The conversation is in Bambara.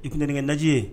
I tun nin kɛ lajɛji ye